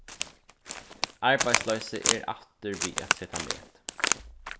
arbeiðsloysið er aftur við at seta met